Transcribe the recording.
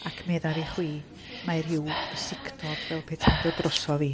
Ac meddaf i chwi, mae rhyw ysigdod fel petai'n dod drosodd i.